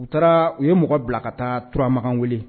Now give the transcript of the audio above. U taara u ye mɔgɔ bila ka taa turama wele